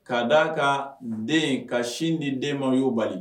Ka d'a kan den, ka sin di den ma y'o bali